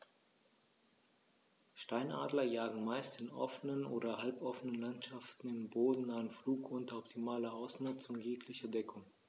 Steinadler jagen meist in offenen oder halboffenen Landschaften im bodennahen Flug unter optimaler Ausnutzung jeglicher Deckung.